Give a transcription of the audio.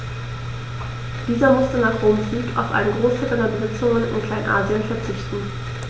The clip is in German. Dieser musste nach Roms Sieg auf einen Großteil seiner Besitzungen in Kleinasien verzichten.